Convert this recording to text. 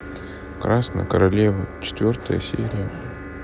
красная королева четвертая серия